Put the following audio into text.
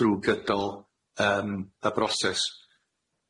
drw gydol yym y broses.